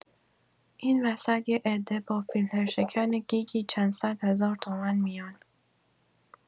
این وسط یه عده، با فیلترشکن گیگی چندصد هزارتومن میان!